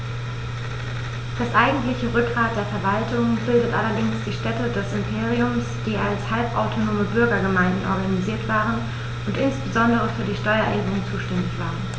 Das eigentliche Rückgrat der Verwaltung bildeten allerdings die Städte des Imperiums, die als halbautonome Bürgergemeinden organisiert waren und insbesondere für die Steuererhebung zuständig waren.